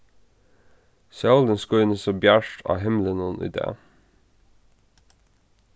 sólin skínur so bjart á himlinum í dag